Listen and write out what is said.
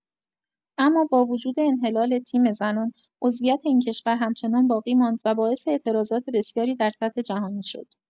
اما با وجود انحلال تیم زنان، عضویت این کشور همچنان باقی ماند و باعث اعتراضات بسیاری در سطح جهانی شد.